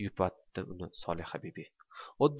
yupatdi uni solihabibi